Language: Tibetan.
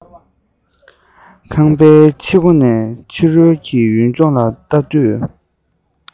ཁང པའི ཤེལ སྒོ ནས ཕྱི རོལ གྱི ཡུལ ལྗོངས ལ བལྟ དུས